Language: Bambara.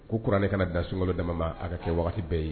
K ko kuran ne kana da sunkolo dama ma a ka kɛ waati bɛɛ ye